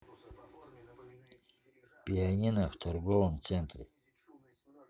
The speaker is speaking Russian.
пианино в торговом центре